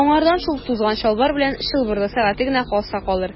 Аңардан шул тузган чалбар белән чылбырлы сәгате генә калса калыр.